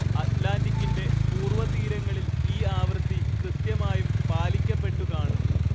അറ്റ്‌ലാന്റിക്ക്കിന്റെ പൂർവതീരങ്ങളിൽ ഈ ആവൃത്തി കൃത്യമായും പാലിക്കപ്പെട്ടു കാണുന്നു